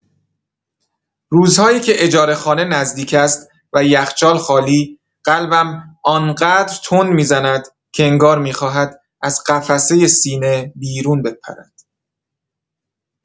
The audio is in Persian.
روزهایی که اجاره خانه نزدیک است و یخچال خالی، قلبم آن‌قدر تند می‌زند که انگار می‌خواهد از قفسه سینه بیرون بپرد.